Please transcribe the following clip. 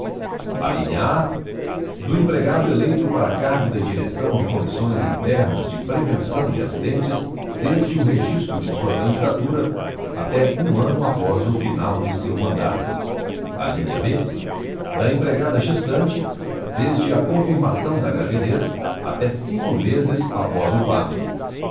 alínea a do empregado eleito para cargo de direção de comissões internas de prevenção de acidentes desde o registro de sua candidatura até um ano após o final de seu mandato alínea b da empregada gestante desde a confirmação da gravidez até cinco meses após o parto